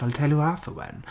I'll tell you that for one.